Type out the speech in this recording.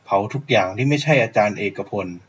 เผาทุกอย่างที่ไม่ใช่อาจารย์เอกพล